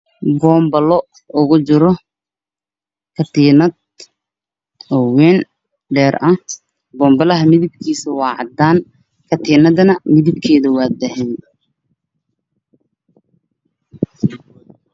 Meeshaan waxaa yaalo boonbalo kalarkiisu waa cadaan waxaa kujiro katiinad wayn oo dahabi ah.